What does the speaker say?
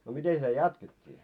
no miten sitä jatkettiin